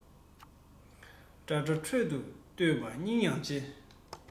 འདྲ འདྲའི ཁྲོད དུ སྡོད པ སྙིང ཡང རྗེ